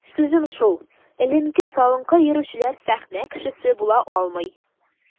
Сүзем шул: эленке-салынкы йөрүчеләр сәхнә кешесе була алмый.